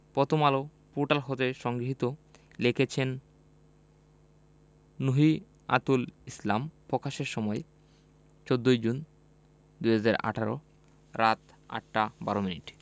Prothom Alo portal হতে সংগৃহীত লিখেছেন নুহিয়াতুল ইসলাম প্রকাশের সময় ১৪জুন ২০১৮ রাত ৮টা ১২ মিনিট